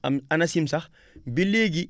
AN ANACIM sax ba léegi